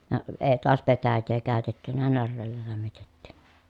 ja - ei taas petäjää käytetty näreellä lämmitettiin